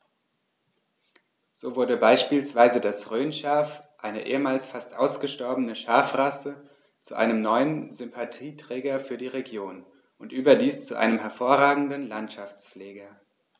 So wurde beispielsweise das Rhönschaf, eine ehemals fast ausgestorbene Schafrasse, zu einem neuen Sympathieträger für die Region – und überdies zu einem hervorragenden Landschaftspfleger.